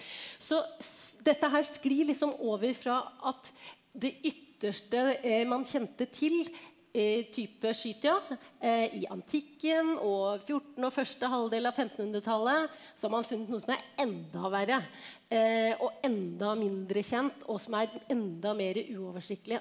så dette her sklir liksom over fra at det ytterste man kjente til type Skytia i antikken og fjorten- og første halvdel av femtenhundretallet så har man funnet noe som er enda verre og enda mindre kjent og som er enda mere uoversiktlig,